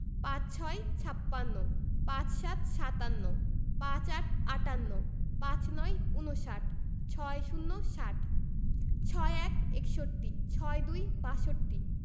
৫৬ – ছাপ্পান্ন ৫৭ – সাতান্ন ৫৮ – আটান্ন ৫৯ - ঊনষাট ৬০ - ষাট ৬১ – একষট্টি ৬২ – বাষট্টি